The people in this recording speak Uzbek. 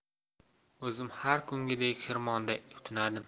o'zim har kungidek xirmonda tunadim